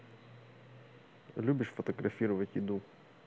любишь фотографировать еду